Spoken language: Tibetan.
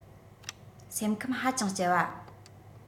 སེམས ཁམས ཧ ཅང ལྕི བ